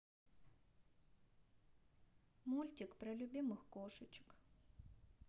мультик про любых кошечек